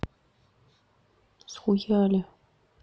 с хуяли